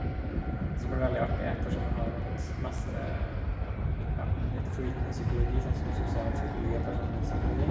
Som blir veldig artig ettersom jeg har hatt mest, ja, litt flytende psykologi sånn som sosialpsykologi og personlighetspsykologi.